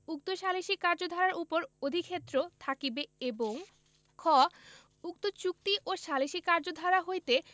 উক্ত সালিসী কার্যধারার উপর অধিক্ষেত্র থাকিবে এবং খ উক্ত চুক্তি ও সালিসী কার্যধারা হইতে